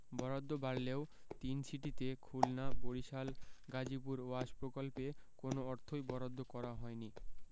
বরাদ্দ বাড়লেও তিন সিটিতে খুলনা বরিশাল গাজীপুর ওয়াশ প্রকল্পে কোনো অর্থই বরাদ্দ করা হয়নি